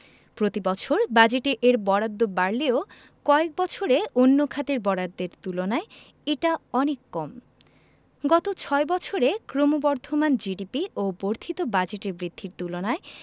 প্রতিবছর বাজেটে এর বরাদ্দ বাড়লেও কয়েক বছরে অন্য খাতের বরাদ্দের তুলনায় এটা অনেক কম গত ছয় বছরে ক্রমবর্ধমান জিডিপি ও বর্ধিত বাজেটের বৃদ্ধির তুলনায়